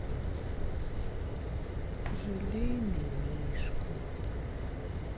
желейный мишка